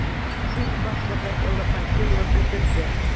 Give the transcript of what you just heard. ЦИК башлыгы Элла Памфилова белдерде: